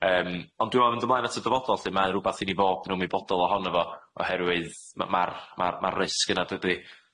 Yym ond dwi me'wl yn mynd ymlaen at y dyfodol lly ma' rwbath i ni fodd nw'm i boddol ohono fo oherwydd ma' ma'r ma'r ma'r risg yna dydi?